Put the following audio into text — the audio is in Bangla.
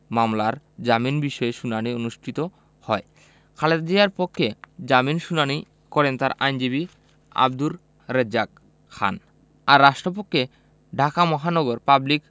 মামলার জামিনের বিষয়ে শুনানি অনুষ্ঠিত হয় খালেদা জিয়ার পক্ষে জামিন শুনানি করেন তার আইনজীবী আব্দুর রেজ্জাক খান আর রাষ্ট্রপক্ষে ঢাকা মহানগর পাবলিক